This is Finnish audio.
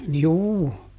juu